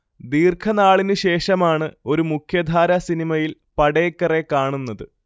ദീർഘനാളിന്ശേഷമാണ് ഒരു മുഖ്യധാര സിനിമയിൽ പടേക്കറെ കാണുന്നത്